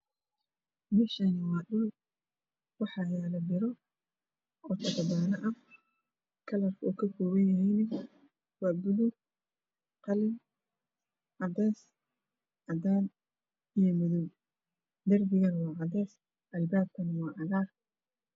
Meeshaani waa dhul waxaa yaalo biro oo katabaano ah kalarka uu ka koobanyahana waa buluug qalin cadays cadaan iyo madow darbigana waa cadays albaabkana waa cagar